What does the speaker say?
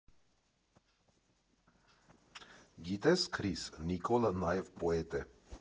Գիտե՞ս, Քրիս, Նիկոլը նաև պոետ է։